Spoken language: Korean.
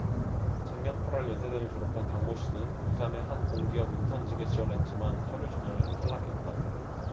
작년 팔 월 연세대를 졸업한 박모씨는 부산의 한 공기업 인턴 직에 지원했지만 서류 전형에서 탈락했다